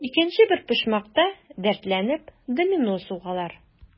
Икенче бер почмакта, дәртләнеп, домино сугалар.